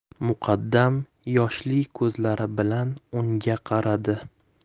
muqaddam yoshli ko'zlari bilan unga qaradi